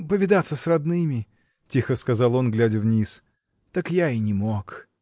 повидаться с родными, — тихо сказал он, глядя вниз, — так я и не мог.